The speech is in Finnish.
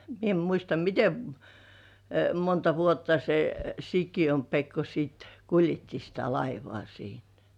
minä en muista miten - monta vuotta se Sikiön Pekko sitten kuljetti sitä laivaa siinä